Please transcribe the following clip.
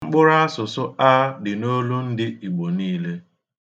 Mkpụrụasụsụ 'a' dị n'olundi Igbo niile.